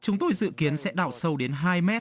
chúng tôi dự kiến sẽ đào sâu đến hai mét